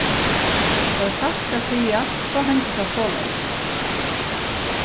tá ið satt skal sigast so hendi tað soleiðis